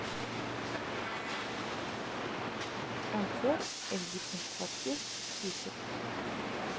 обзор элитных квартир питер